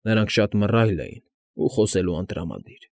Նրանք շատ մռայլ էին ու խոսելու անտրամադիր։